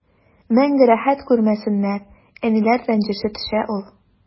Мәңге рәхәт күрмәсеннәр, әниләр рәнҗеше төшә ул.